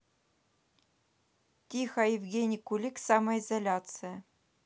тихо евгений кулик самоизоляция